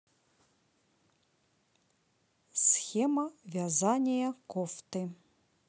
схема вязания кофты